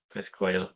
Peth gwael.